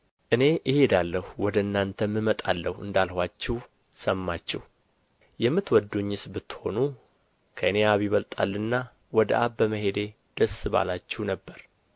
እኔ እሄዳለሁ ወደ እናንተም እመጣለሁ እንዳልኋችሁ ሰማችሁ የምትወዱኝስ ብትሆኑ ከእኔ አብ ይበልጣልና ወደ አብ በመሄዴ ደስ ባላችሁ ነበር